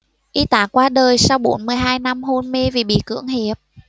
y tá qua đời sau bốn mươi hai năm hôn mê vì bị cưỡng hiếp